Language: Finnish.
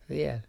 vielä